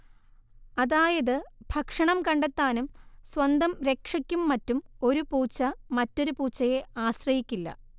അതായത് ഭക്ഷണം കണ്ടെത്താനും സ്വന്തം രക്ഷയ്ക്കും മറ്റും ഒരു പൂച്ച മറ്റൊരു പൂച്ചയെ ആശ്രയിക്കില്ല